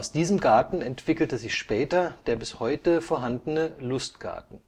diesem Garten entwickelte sich später der bis heute vorhandene Lustgarten